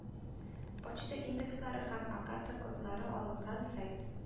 Почта индекслары һәм ОКАТО кодлары алынган сайт